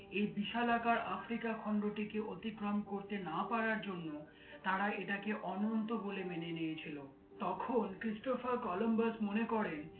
এই বিশাল আকার আফ্রিকা খন্ড টিকে অতিক্রম করতে না পারার জন্য তারা এটাকে অনন্ত বলে মেনে নিয়েছিল তখন ক্রিস্টোফার কলম্বাস মনে করেন